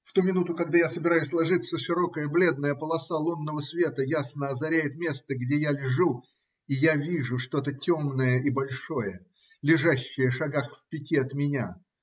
В ту минуту, когда я собираюсь ловиться, широкая бледная полоса лунного света ясно озаряет место, где д лежу, и я вижу что-то темное и большое, лежащее шагах в пяти от меня.